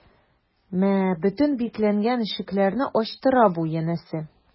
Мә, бөтен бикләнгән ишекләрне ачтыра бу, янәсе...